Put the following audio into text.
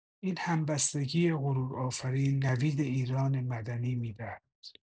این همبستگی غرورآفرین، نوید ایران مدنی می‌دهد